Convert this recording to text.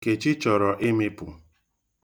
Nkechi chọrọ ịmịpụ.